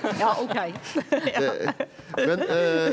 ja ok ja .